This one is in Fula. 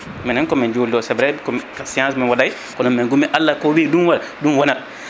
minen komin julɗo c' est vrai ko science mi waɗay kono nangumi ko Allah wi ɗum wat ɗum wonat